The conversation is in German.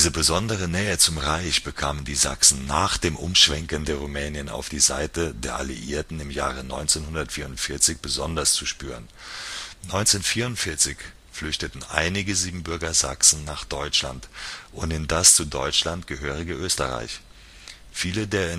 besondere Nähe zum Reich bekamen die Sachsen nach dem Umschwenken der Rumänen auf die Seite der Alliierten im Jahre 1944 besonders zu spüren. 1944 flüchteten einige Siebenbürger Sachsen nach Deutschland und in das zu Deutschland gehörige Österreich. Viele der